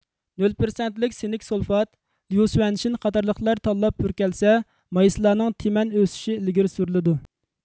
نۆل پىرسەنتلىك سىنك سۇلفات ليۇسۈەنشىن قاتارلىقلار تاللاپ پۈركەلسە مايسىلانىڭ تىمەن ئۆسۈشى ئىلگىرى سۈرۈلىدۇ